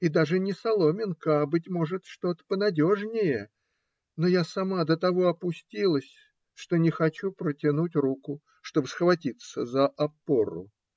И даже не соломинка, а быть может, что-то понадежнее, но я сама до того опустилась, что не хочу протянуть руку, чтобы схватиться за опору.